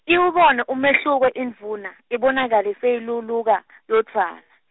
Iwubone umehluko indvuna, ibonakale seyiyeluluka- , yodvwana.